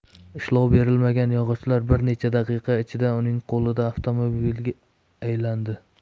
ishlov berilmagan yog'ochlar bir necha daqiqa ichida uning qo'lida avtomobilga aylanadi